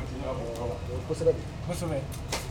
Kosɛbɛ kosɛbɛ.